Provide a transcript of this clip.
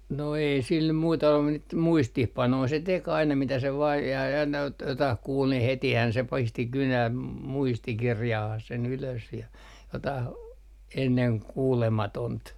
no ei sillä nyt muita ollut mutta niitä muistiinpanoja se teki aina mitä se vain ja ja aina - jotakin kuuli niin hetihän se pisti kynän muistikirjaan sen ylös ja jotakin ennen kuulematonta